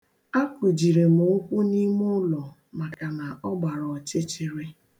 Akụjiri m ụkwụ n'imụụlọ maka ọ gbara ọchịchịrị.